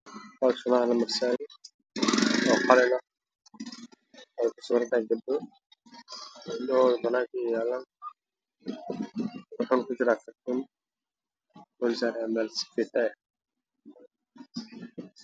Meeshaan xayaalo qof oo ay ku sawiran tahay indho midabkiisu waa banki wuxuuna yaalaa miis qabaa